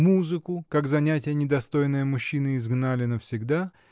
музыку, как занятие недостойное мужчины, изгнали навсегда